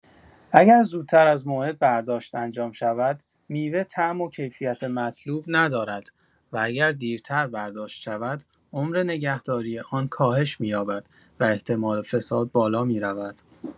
اگر زودتر از موعد برداشت انجام شود، میوه طعم و کیفیت مطلوب ندارد و اگر دیرتر برداشت شود، عمر نگهداری آن کاهش می‌یابد و احتمال فساد بالا می‌رود.